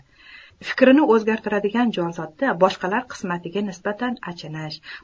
fikrini o'zgartiradigan jonzotda boshqalar qismatiga nisbatan achinish